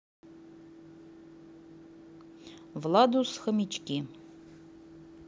владус хомячки